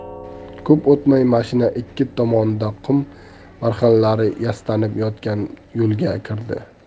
ko'p o'tmay mashina ikki tomonida qum barxanlari yastanib yotgan yo'lga kirdi